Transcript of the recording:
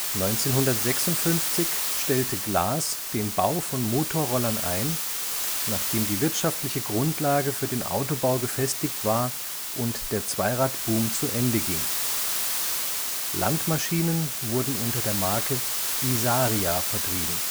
1956 stellte Glas den Bau von Motorrollern ein, nachdem die wirtschaftliche Grundlage für den Autobau gefestigt war und der Zweiradboom zu Ende ging. Landmaschinen wurden unter der Marke Isaria vertrieben